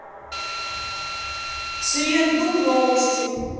сыендук новости